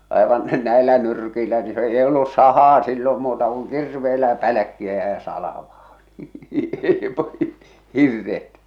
aivan näillä nyrkeillä niin se ei ollut sahaa silloin muuta kuin kirveellä pälkkiä ja salvaa niin hirret